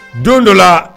Don dɔ la